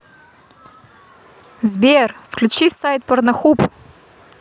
сбер включи сайт порнохуб